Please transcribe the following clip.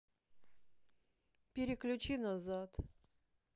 переключи назад